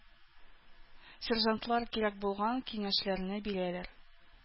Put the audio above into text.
Сержантлар кирәк булган киңәшләрне бирәләр.